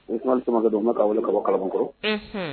U kuma samamakɛ don u ma k'a wele ka bɔ kala kɔrɔ